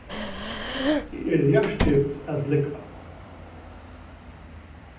eg eri hjartkipt at flúgva